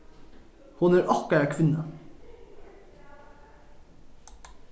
hon er okkara kvinna